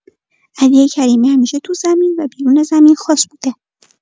علی کریمی همیشه تو زمین و بیرون زمین خاص بوده.